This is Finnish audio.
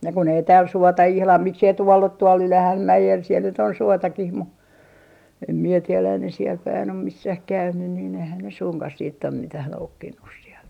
ja kun ei täällä suota ihan miksi ei tuolla ole tuolla Ylähänmäellä siellä nyt on suotakin mutta en minä tiedä ei ne siellä päin ole missään käynyt niin eihän ne suinkaan sitten ole mitään noukkinut sieltä